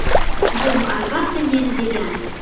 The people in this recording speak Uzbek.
buvim albatta meni degan